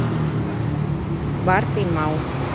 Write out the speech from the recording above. барт и мал